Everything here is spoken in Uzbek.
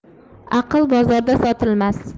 aql bozorda sotilmas